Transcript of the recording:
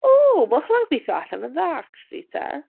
O mae hwnna'n gweithio allan yn dda acshyli te.